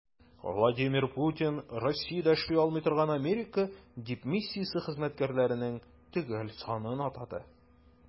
Владимир Путин Россиядә эшли алмый торган Америка дипмиссиясе хезмәткәрләренең төгәл санын атады.